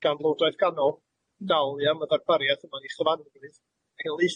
gan lywodraeth ganol i dalu am y ddarbariaeth yma yn ei chyfanrwydd